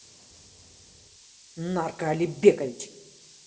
нарко алибекович